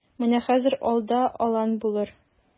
Менә хәзер алда алан булыр.